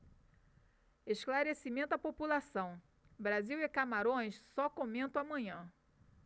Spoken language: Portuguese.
esclarecimento à população brasil e camarões só comento amanhã